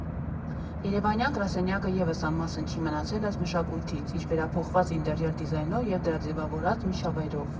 Երևանյան գրասենյակը ևս անմասն չի մնացել այս մշակույթից՝ իր վերափոխված ինտերիեր դիզայնով և դրա ձևավորած միջավայրով։